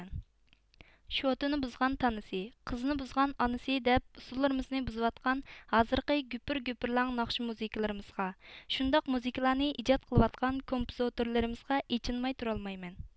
شوتىنى بۇزغان تانىسى قىزنى بۇزغان ئانىسى دەپ ئۇسسۇللىرىمىزنى بۇزۇۋاتقان ھازىرقى گۈپۈر گۈپۈرلەڭ ناخشا مۇزىكىلىرىمىزغا شۇنداق مۇزىكىلارنى ئىجاد قىلىۋاتقان كومپىزوتۇرلىرىمىزغا ئېچىنماي تۇرالمايمەن